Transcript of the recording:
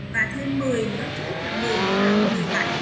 và thêm nữa chữ x là nữa là